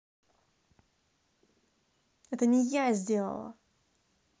это не я сделала